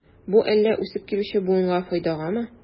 Бу әллә үсеп килүче буынга файдагамы?